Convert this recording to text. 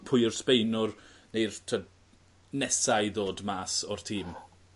pwy yw'r Sbaenwr neu'r t'o' nesa i ddod mas o'r tîm.